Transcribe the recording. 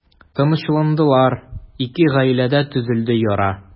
Тынычландылар, ике гаиләдә төзәлде яра.